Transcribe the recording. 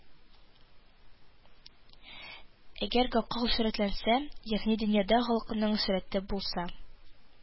Әгәр гакыл сурәтләнсә, ягъни дөньяда гакылның сурәте булса